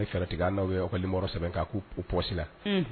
I bɛ fɛɛrɛ tigɛ an'u ye k'a numero sɛbɛn k'a k' u kun poches la.unhun.